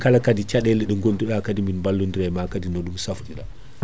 kala kadi caɗele ɗe gonduɗa kadi min ballodira e ma kaadi no ɗum safrira